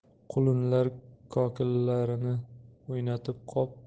qulunlar kokillarini o'ynatib qop